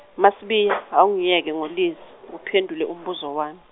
MaSibiya, awungiyeke ngoLizzy, uphendule umbuzo wami.